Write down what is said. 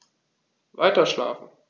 Weiterschlafen.